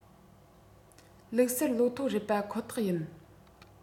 ལུགས གསར ལོ ཐོ རེད པ ཁོ ཐག ཡིན